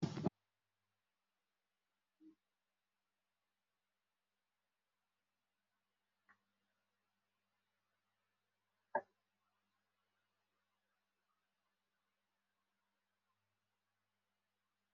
Waa qol waxaa ka ifaayo leer caddaan ah darbiyada waa jaallo dhulka waa caddaan